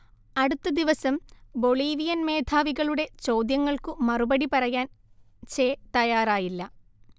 അടുത്ത ദിവസം ബൊളീവിയൻ മേധാവികളുടെ ചോദ്യങ്ങൾക്കു മറുപടി പറയാൻ ചെ തയ്യാറായില്ല